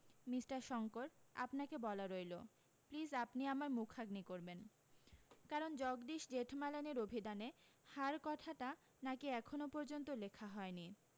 mister Shankar আপনাকে বলা রইলো প্লিজ আপনি আমার মুখাগ্নি করবেন কারণ জগদীশ জেঠমালানির অভিধানে হার কথাটা নাকি এখনও পর্য্যন্ত লেখা হয় নি